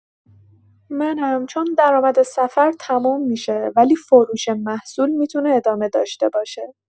منم، چون درآمد سفر تموم می‌شه ولی فروش محصول می‌تونه ادامه داشته باشه.